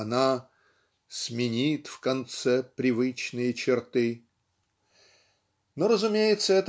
она "сменит в конце привычные черты". Но разумеется